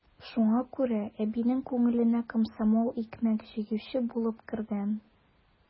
Шуңа күрә әбинең күңеленә комсомол икмәк җыючы булып кергән.